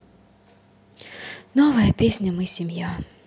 новая песня мы семья